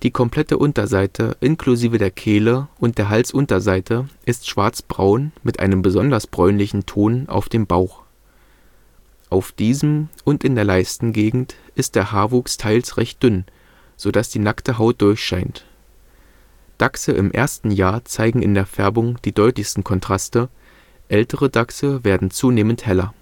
komplette Unterseite inklusive der Kehle und der Halsunterseite ist schwarzbraun mit einem besonders bräunlichen Ton auf dem Bauch. Auf diesem und in der Leistengegend ist der Haarwuchs teils recht dünn, so dass die nackte Haut durchscheint. Dachse im ersten Jahr zeigen in der Färbung die deutlichsten Kontraste, ältere Dachse werden zunehmend heller